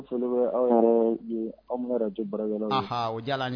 Un ka foli bi aw yɛrɛ ye ɔhɔn aw minnu ye radio baarakɛlaw ye